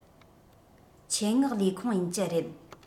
ཆེད མངགས ལས ཁུང ཡིན གྱི རེད